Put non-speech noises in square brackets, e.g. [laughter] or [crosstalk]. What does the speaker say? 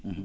[hesitation] [hesitation]